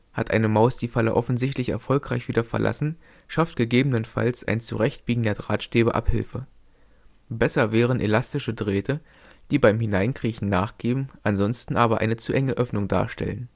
Hat eine Maus die Falle offensichtlich erfolgreich wieder verlassen, schafft ggf. ein Zurechtbiegen der Drahtstäbe Abhilfe. Besser wären elastische Drähte, die beim Hineinkriechen nachgeben, ansonsten aber eine zu enge Öffnung darstellen